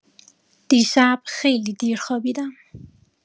دیشب خیلی دیر خوابیدم